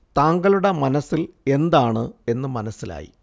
താങ്കളുടെ മനസ്സിൽ എന്താണ് എന്ന് മനസ്സിലായി